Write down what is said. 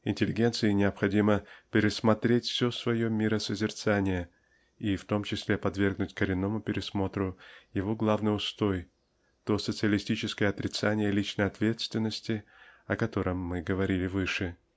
Интеллигенции необходимо пересмотреть все свое миросозерцание и в том числе подвергнуть коренному пересмотру его главный устой -- то социалистическое отрицание личной ответственности о котором мы говорили выше.